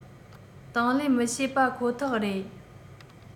དང ལེན མི བྱེད པ ཁོ ཐག རེད